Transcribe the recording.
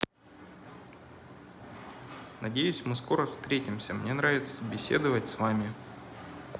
надеюсь мы скоро встретимся мне нравится беседовать с вами